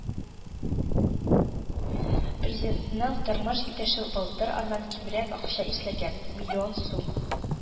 Президентның тормыш иптәше былтыр аннан кимрәк акча эшләгән - миллион сум